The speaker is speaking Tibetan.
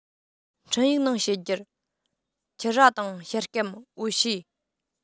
འཕྲིན ཡིག ནང བཤད རྒྱུར ཕྱུར ར དང ཤ སྐམ འོ ཕྱེ